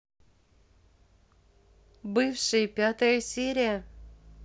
бывшие пятая серия